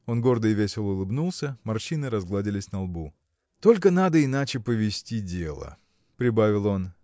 Он гордо и весело улыбнулся; морщины разгладились на лбу. – Только надо иначе повести дело – прибавил он